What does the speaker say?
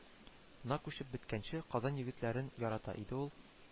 На күчеп беткәнче, казан егетләрен ярата иде ул»,